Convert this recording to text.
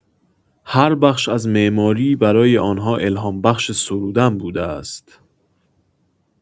هر بخش از معماری برای آن‌ها الهام‌بخش سرودن بوده است.